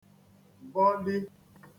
bọli